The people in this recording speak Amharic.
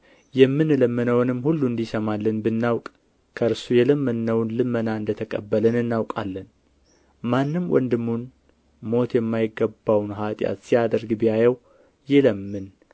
የምንለምነውንም ሁሉ እንዲሰማልን ብናውቅ ከእርሱ የለመነውን ልመና እንደ ተቀበልን እናውቃለን ማንም ወንድሙን ሞት የማይገባውን ኃጢአት ሲያደርግ ቢያየው ይለምን